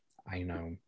I know.